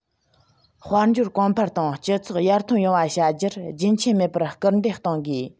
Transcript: དཔལ འབྱོར གོང འཕེལ དང སྤྱི ཚོགས ཡར ཐོན ཡོང བ བྱ རྒྱུར རྒྱུན ཆད མེད པར སྐུལ འདེད གཏོང དགོས